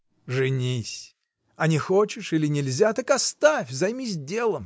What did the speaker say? — Женись, а не хочешь или нельзя, так оставь, займись делом.